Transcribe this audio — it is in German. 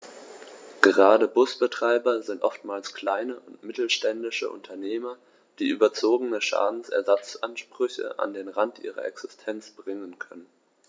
Gerade Busbetreiber sind oftmals kleine und mittelständische Unternehmer, die überzogene Schadensersatzansprüche an den Rand ihrer Existenz bringen können.